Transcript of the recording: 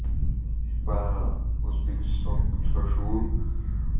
baa o'zbekiston uchrashuvi g'olibi yarim